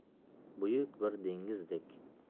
buyuk bir dengizdek